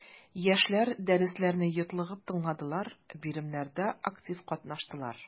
Яшьләр дәресләрне йотлыгып тыңладылар, биремнәрдә актив катнаштылар.